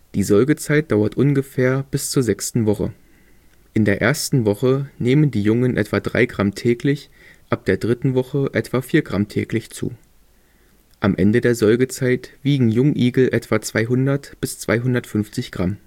Die Säugezeit dauert ungefähr bis zur sechsten Woche. In der ersten Woche nehmen sie etwa drei Gramm täglich, ab der dritten Lebenswoche etwa vier Gramm täglich zu. Am Ende der Säugezeit wiegen Jungigel etwa 200 bis 250 Gramm